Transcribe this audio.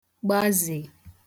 gbazè